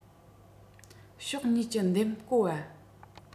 ཕྱོགས གཉིས གྱི འདེམས སྐོ བ